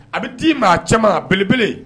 A bɛ d'i maa cɛ belebele